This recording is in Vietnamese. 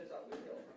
thiệu